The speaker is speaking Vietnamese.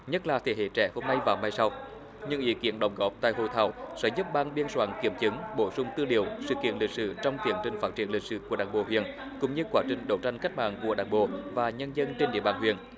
nhất là thế hệ trẻ hôm nay và mai sau những ý kiến đóng góp tại hội thảo sẽ giúp ban biên soạn kiểm chứng bổ sung tư liệu sự kiện lịch sử trong tiến trình phát triển lịch sử của đảng bộ huyện cũng như quá trình đấu tranh cách mạng của đảng bộ và nhân dân trên địa bàn huyện